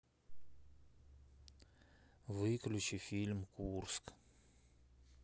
выключи фильм курск